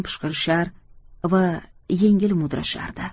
pishqirishar va yengil mudrashardi